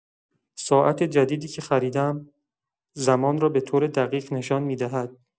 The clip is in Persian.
ساعت جدیدی که خریدم، زمان را به‌طور دقیق نشان می‌دهد.